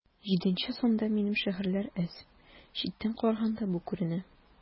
Җиденче санда минем шигырьләр аз, читтән караганда бу күренә.